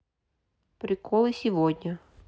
приколы сегодня